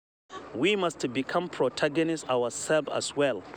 We must become protagonists ourselves as well.